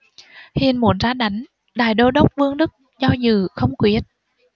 hiền muốn ra đánh đại đô đốc vương đức do dự không quyết